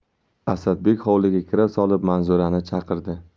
asadbek hovliga kira solib manzurani chaqirdi